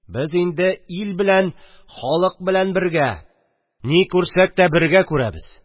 Без инде ил белән халык белән бергә, ни күрсәк тә бергә күрербез..